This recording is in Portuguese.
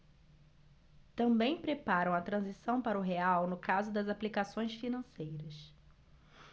também preparam a transição para o real no caso das aplicações financeiras